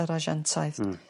yr ajantaeth. Hmm.